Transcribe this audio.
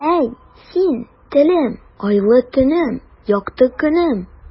Әй, син, телем, айлы төнем, якты көнем.